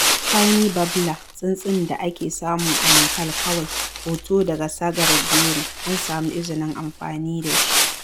Spiny Babbler, tsuntsun da ake samu a Nepal kawai. Hoto daga Sagar Giri. an samu izinin amfani da shi.